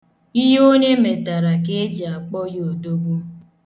Ihe onye metara ka e ji akpọ ya odogwu.